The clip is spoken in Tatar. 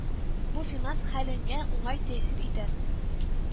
Бу финанс хәлеңә уңай тәэсир итәр